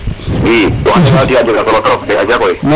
i wax deg fa yala tiya jega solo trop koy